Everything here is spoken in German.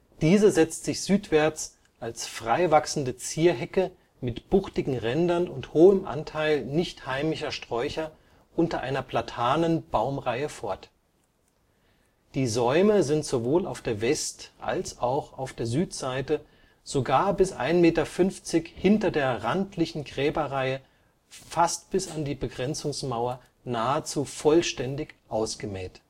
Diese setzt sich südwärts als frei wachsende Zierhecke mit buchtigen Rändern und hohem Anteil nicht heimischer Sträucher unter einer Platanen-Baumreihe fort. Die Säume sind sowohl auf der West - als auch auf der Südseite sogar bis 1,5 Meter hinter der randlichen Gräberreihe fast bis an die Begrenzungsmauer nahezu vollständig ausgemäht